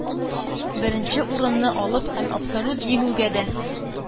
Беренче урынны алып һәм абсолют җиңүгә дә